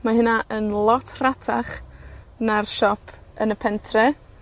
Mae hynna yn lot rhatach na'r siop yn y Pentre